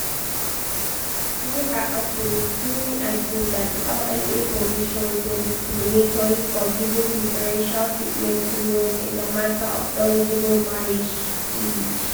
Through her attorneys, Gyumi argued that the LMA provisions were discriminatory for giving preferential treatment to males in the matter of eligible marriage age.